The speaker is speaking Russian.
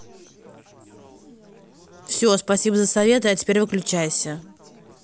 все спасибо за советы а теперь выключайся